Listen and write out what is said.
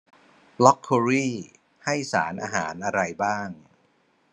บล็อคโคลี่ให้สารอาหารอะไรบ้าง